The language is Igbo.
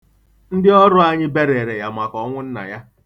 Ndị ọrụ anyị berere ya maka ọnwụ nna ya.